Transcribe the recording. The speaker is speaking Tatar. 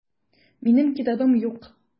Минем китабым юк.